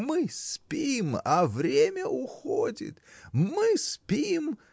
Мы спим, а время уходит; мы спим.